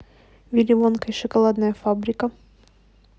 вилли вонка и шоколадная фабрика